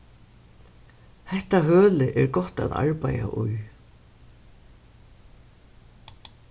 hetta hølið er gott at arbeiða í